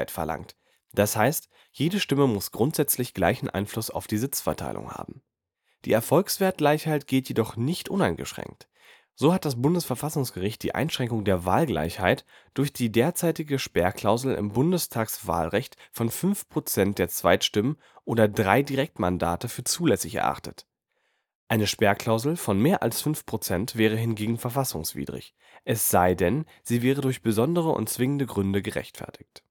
verlangt, das heißt jede Stimme muss grundsätzlich gleichen Einfluss auf die Sitzverteilung haben. Die Erfolgswertgleichheit gilt jedoch nicht uneingeschränkt. So hat das Bundesverfassungsgericht die Einschränkung der Wahlgleichheit durch die derzeitige Sperrklausel im Bundestagswahlrecht von 5 % der Zweitstimmen oder drei Direktmandate für zulässig erachtet. Eine Sperrklausel von mehr als 5 % wäre hingegen verfassungswidrig, es sei denn sie wäre durch besondere und zwingende Gründe gerechtfertigt